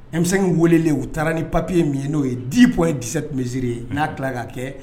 Emisɛn weelelen u taara ni papiye ye min ye n'o ye dip ye dise tun bɛ zsiriri ye n'a tila ka kɛ